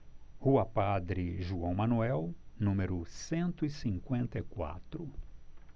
rua padre joão manuel número cento e cinquenta e quatro